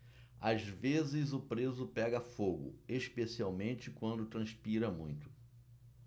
às vezes o preso pega fogo especialmente quando transpira muito